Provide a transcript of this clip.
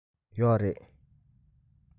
ཡོད རེད